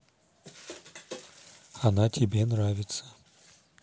она тебе нравится